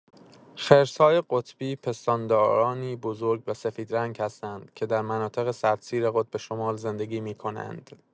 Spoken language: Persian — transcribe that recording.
خرس‌های قطبی پستاندارانی بزرگ و سفید رنگ هستند که در مناطق سردسیر قطب شمال زندگی می‌کنند.